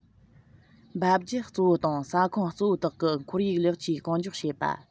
འབབ རྒྱུད གཙོ བོ དང ས ཁོངས གཙོ བོ དག གི ཁོར ཡུག ལེགས བཅོས གང མགྱོགས བྱེད པ